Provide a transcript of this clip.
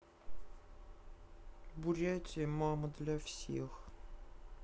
бурятия мама для всех